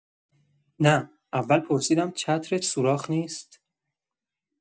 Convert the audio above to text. نه، اول پرسیدم چترت سوراخ نیست؟